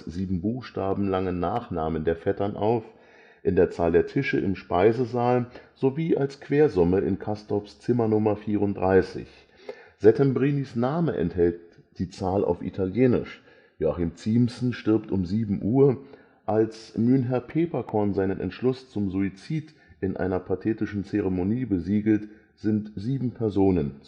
sieben Buchstaben langen Nachnamen der Vettern auf, in der Zahl der Tische im Speisesaal sowie als Quersumme in Castorps Zimmernummer 34. Settembrinis Name enthält die Zahl auf italienisch. Joachim Ziemßen stirbt um sieben Uhr. Als Mynheer Peeperkorn seinen Entschluss zum Suizid in einer pathetischen Zeremonie besiegelt, sind sieben Personen